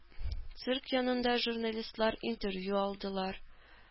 Цирк янында журналистлар интервью алдылар.